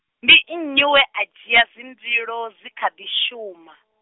ndi nnyi wea dzhia dzinḓilo, dzikhadzi shuma?